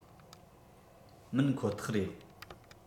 མིན ཁོ ཐག རེད